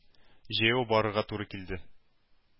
Җәяү барырга туры килде.